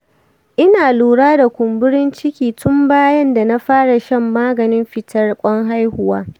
ina lura da kumburin ciki tun bayan da na fara shan maganin fitar ƙwan haihuwa.